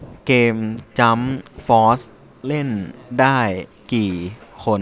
เกมจั๊มฟอสเล่นได้กี่คน